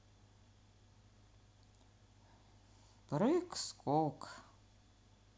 прыг скок